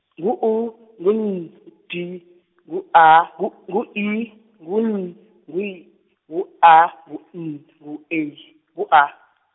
ngu U, ngu M, u- D, ngu A, ngu- ngu I, ngu M, ngu Y, ngu A, ngu I, ngu E, ngu A.